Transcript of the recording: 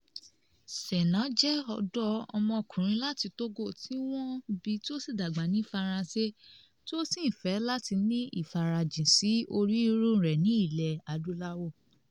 Sena jẹ́ ọ̀dọ́mọkùnrin láti Togo, tí wọ́n bí tí ó sì dàgbà ní France, tí ó sì ń fẹ́ láti ní ìfarajìn sí orírun rẹ̀ ní ilẹ̀ Adúláwọ̀.